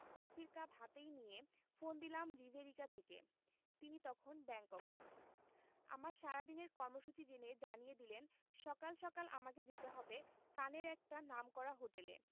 কফির কাপ হাতেই নিয়ে ফোন দিলাম রিভেরিয়া থেকে তিনি তখন ব্যাংককে আমার সারাদিনের কর্মসূচি জেনে জানিয়ে দিলেন সকাল সকাল আমাকে যেতে হবে কানের একটা নামকরা হোটেলে